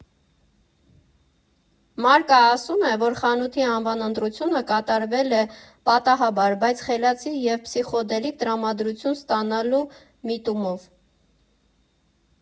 Մարկը ասում է, որ խանութի անվան ընտրությունը կատարվել է պատահաբար, բայց խելացի և փսիխոդելիկ տրամադրություն ստանալու միտումով։